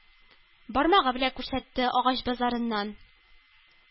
Бармагы белән күрсәтте,- агач базарыннан